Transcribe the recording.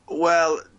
Wel.